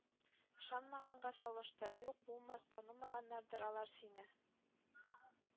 Ышанмаганга салышты. ”Юк, булмас, танымаганнардыр алар сине.